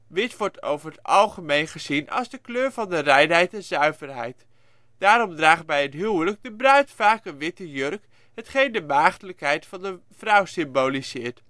Wit wordt over het algemeen gezien als de kleur van de reinheid en zuiverheid. Daarom draagt bij een huwelijk de bruid vaak een witte jurk, hetgeen de maagdelijkheid van de vrouw symboliseert